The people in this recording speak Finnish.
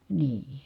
niin